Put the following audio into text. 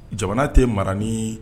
Jamana tɛ mara ni